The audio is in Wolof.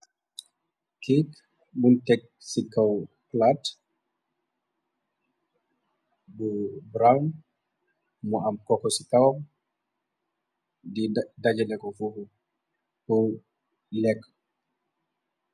Kéek buñ tegg ci kaw plaat, bu brown. Mu am koko ci kaw ,di daja leku fofu por lekk.